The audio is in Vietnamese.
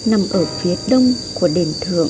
nằm ở phía đông của đền thượng